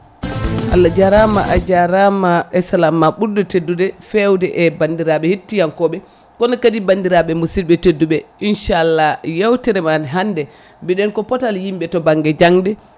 Allah jarama a jarama e salamma ɓurɗo teddude fewde e bandiraɓe hettiyankoɓe kono kadi bandiraɓe musidɓe tedduɓe inchallah yewtere men hande mbiɗen ko pootal yimɓe to banggue jangde